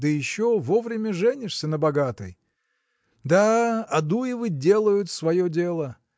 да еще вовремя женишься на богатой. Да, Адуевы делают свое дело!